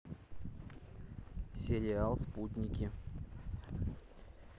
сериал спутники